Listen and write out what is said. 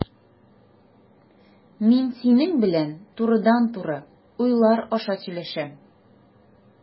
Мин синең белән турыдан-туры уйлар аша сөйләшәм.